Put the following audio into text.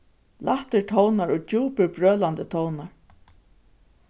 lættir tónar og djúpir brølandi tónar